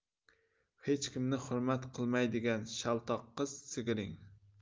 hech kimni hurmat qilmaydigan shaltoq qiz sigiring